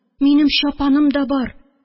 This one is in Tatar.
Минем чапаным да бар.